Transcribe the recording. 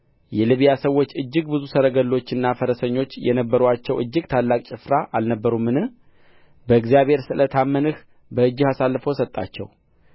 የልብያ ሰዎች እጅግ ብዙ ሰረገሎችና ፈረሰኞች የነበሩአቸው እጅግ ታላቅ ጭፍራ አልነበሩምን በእግዚአብሔር ስለ ታመንህ በእጅህ አሳልፎ ሰጣቸው